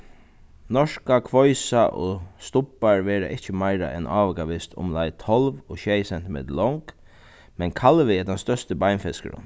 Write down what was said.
norska kvoysa og stubbar verða ikki meira enn ávikavist umleið tólv og sjey sentimetur long men kalvi er tann størsti beinfiskurin